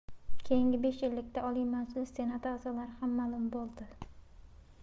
keyingi besh yillikda oliy majlis senati a'zolari ham ma'lum bo'ldi